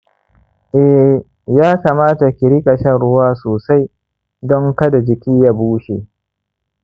eh, ya kamata ki riƙa shan ruwa sosai don kada jiki ya bushe.